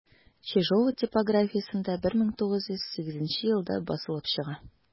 Чижова типографиясендә 1908 елда басылып чыга.